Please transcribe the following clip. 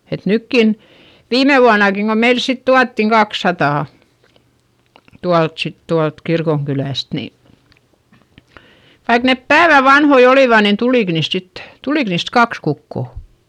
että nytkin viime vuonnakin kun meille sitten tuotiin kaksisataa tuolta sitten tuolta kirkonkylästä niin vaikka ne päivän vanhoja olivat niin tuliko niistä sitten tuliko niistä kaksi kukkoa